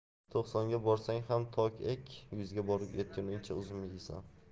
to'qsonga borsang ham tok ek yuzga yetguncha uzumini yeysan